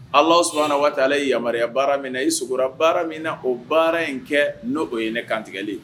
Ala sɔnnaumana waati ale ye yamaruya baara min na i sogora baara min na o baara in kɛ n'o o ye kantigɛli